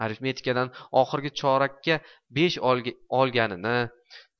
arifmetikadan oxirgi chorakka besh olganini